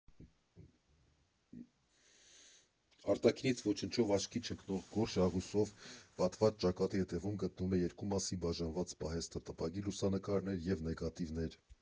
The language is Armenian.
Արտաքինից ոչնչով աչքի չընկնող գորշ աղյուսով պատված ճակատի հետևում գտնվում է երկու մասի բաժանված պահեստը՝ տպագիր լուսանկարներ և նեգատիվներ։